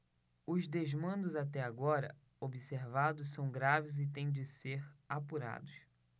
os desmandos até agora observados são graves e têm de ser apurados